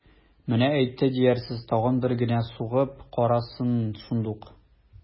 Менә әйтте диярсез, тагын бер генә сугып карасын, шундук...